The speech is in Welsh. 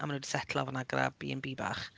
A maen nhw 'di setlo fan'na gyda B and B bach.